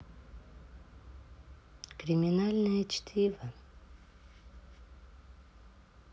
криминальное чтиво